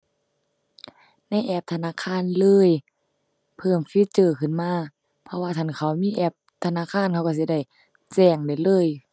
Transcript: ในแอปธนาคารเลย เพิ่มฟีเจอร์ขึ้นมา เพราะว่าคันเขามีแอปธนาคารเขาก็สิได้แจ้งได้เลย